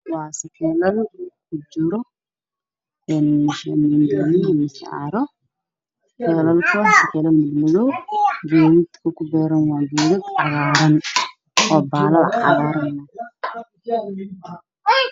Meeshaan waxaa ka muuqdo geedo yar yar oo cagaar ah